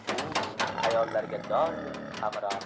u hayollariga doim hamroh